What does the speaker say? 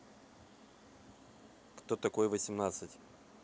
кто такой восемнадцать